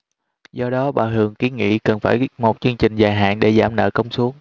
do đó bà hường kiến nghị cần phải một chương trình dài hạn để giảm nợ công xuống